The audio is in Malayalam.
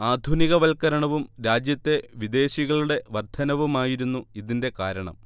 ആധുനികവൽക്കരണവും രാജ്യത്തെ വിദേശികളുടെ വർദ്ധനവുമായിരുന്നു ഇതിന്റെ കാരണം